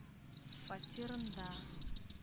Фатирында